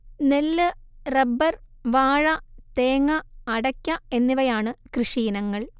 നെല്ല്, റബ്ബർ, വാഴ തേങ്ങ, അടയ്ക്ക എന്നിവയാണ് കൃഷിയിനങ്ങൾ